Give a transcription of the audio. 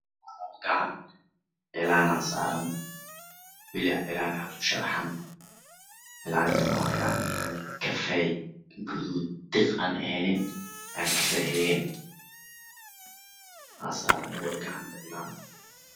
Gacan cilaana saran cilanaa ku sharaxan cilanka waa cilaan kafee guduud tiqana aan aheen yacni kafee xigeen aa saran lpada gacan dhinac